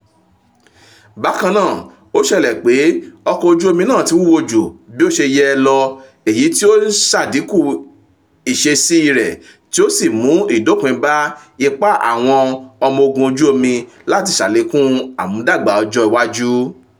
Bákan náà, ó ṣelẹ̀ pé ọkọ̀ ojú omi náà ti wúwo ju bí ó ṣe yẹ lọ èyí tí ó ṣàdínkù ìṣesí rẹ̀ tí ó sì mú ìdópín bá ìpa Àwọn ọmọ ogun ojú omi láti ṣàlékún àmúdágbà ọjọ́ iwájú.